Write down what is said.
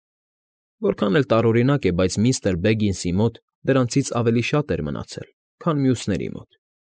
Որքան էլ տարօրինակ է, բայց միստր Բեգինսի մոտ դրանցից ավելի շատ էր մնացել, քան մյուսների մոտ։